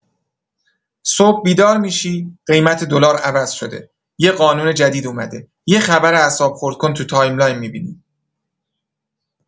صبح بیدار می‌شی، قیمت دلار عوض شده، یه قانون جدید اومده، یه خبر اعصاب‌خردکن تو تایم‌لاین می‌بینی.